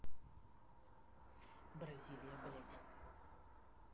бразилия блядь